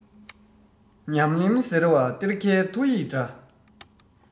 ཉམས ལེན ཟེར བ གཏེར ཁའི ཐོ ཡིག འདྲ